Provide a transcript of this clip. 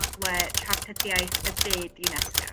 traftedaeth y byd iw nes co?